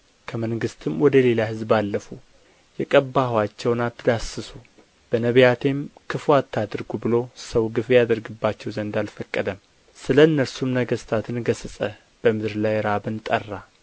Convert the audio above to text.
ከመንግሥታትም ወደ ሌላ ሕዝብ አለፉ የቀባኋቸውን አትዳስሱ በነቢያቴም ክፉ አታድርጉ ብሎ ሰው ግፍ ያደርግባቸው ዘንድ አልፈቀደም ስለ እነርሱም ነገሥታትን ገሠጸ በምድር ላይ ራብን ጠራ